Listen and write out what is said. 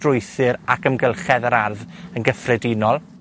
strwythur ac amgylchedd yr ardd, yn gyffredinol.